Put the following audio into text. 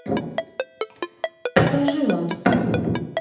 покажи ладу приору